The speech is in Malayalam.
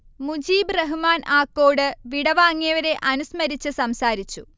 മുജീബ് റഹ്മാൻ ആക്കോട് വിടവാങ്ങിയവരെ അനുസ്മരിച്ച് സംസാരിച്ചു